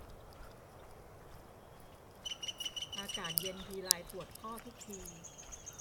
อากาศเย็นทีไรปวดข้อทุกที